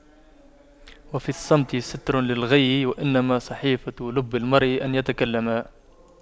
وفي الصمت ستر للغيّ وإنما صحيفة لب المرء أن يتكلما